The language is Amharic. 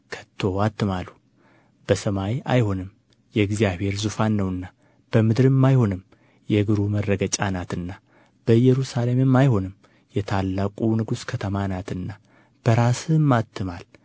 ከቶ አትማሉ በሰማይ አይሆንም የእግዚአብሔር ዙፋን ነውና በምድርም አይሆንም የእግሩ መረገጫ ናትና በኢየሩሳሌምም አይሆንም የታላቁ ንጉሥ ከተማ ናትና በራስህም አትማል